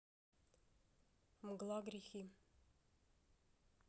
мгла грехи